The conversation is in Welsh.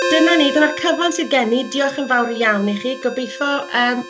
dyna ni. Dyna'r cyfan sydd gen i. Diolch yn fawr iawn i chi. Gobeithio yym...